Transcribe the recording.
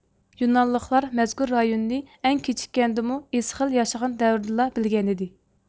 يۇنانلىقلار مەزكۇر رايوننى ئەڭ كېچىككەندىمۇ ئېسخېل ياشىغان دەۋردىلا بىلگەنىدى